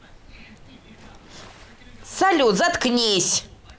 салют заткнись